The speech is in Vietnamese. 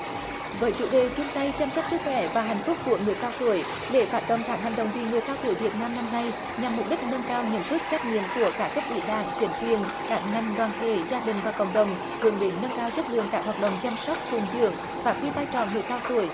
với chủ đề chung tay chăm sóc sức khỏe và hạnh phúc của người cao tuổi lễ phát động tháng hành động vì người cao tuổi việt nam năm nay nhằm mục đích nâng cao nhận thức trách nhiệm của cả cấp ủy đảng chính quyền các ngành đoàn thể gia đình và cộng đồng hướng đến nâng cao chất lượng các hoạt động chăm sóc phụng dưỡng phát huy vai trò người cao tuổi